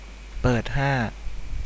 เปิดห้า